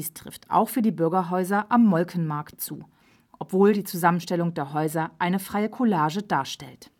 auch für die Bürgerhäuser am Molkenmarkt zu, obwohl die Zusammenstellung der Häuser eine freie Collage darstellt